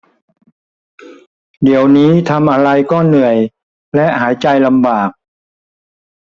เดี๋ยวนี้ทำอะไรก็เหนื่อยและหายใจลำบาก